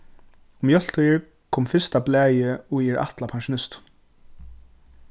um jóltíðir kom fyrsta blaðið ið er ætlað pensjonistum